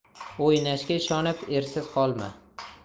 o'ynashga ishonib ersiz qolma